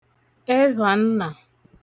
ẹvhànnà